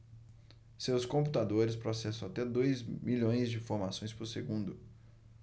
seus computadores processam até dois milhões de informações por segundo